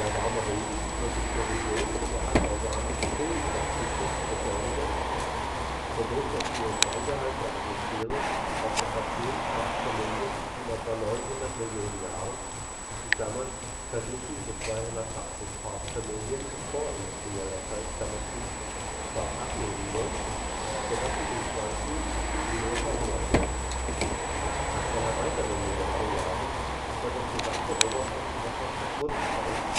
warme Regen wird durch Erosion den anorganischen Kohlenstoffzyklus beschleunigen, wodurch der CO2-Gehalt der Atmosphäre auf etwa 10 ppm in etwa 900 Millionen Jahren (verglichen mit 280 ppm in vorindustrieller Zeit) stark abnehmen wird, sodass mit den Pflanzen auch die Tiere verhungern werden. Nach einer weiteren Milliarde Jahren wird das gesamte Oberflächenwasser verschwunden sein